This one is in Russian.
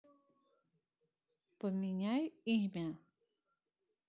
поменяй имя